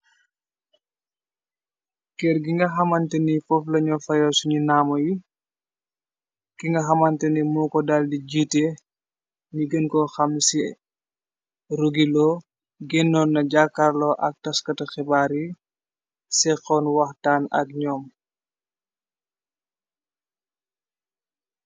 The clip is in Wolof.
Kër gi nga xamante ni fof lañu fayo suni naamo yi ki nga xamante ni moo ko dal di jiite ñi gën ko xam ci rogiloo gennoon na jaakaarloo ak taskata xibaar yi cexon waxtaan ak ñoom.